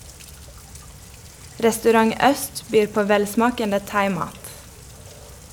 Restaurant Øst byr på velsmakende thaimat.